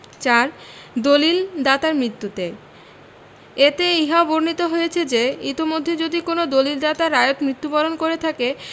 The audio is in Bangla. ৪ দলিল দাতার মৃত্যুতে এতে ইহাও বর্ণিত হয়েছে যে ইতমধ্যে যদি কোন দলিলদাতা রায়ত মৃত্যুবরণ করে থাকে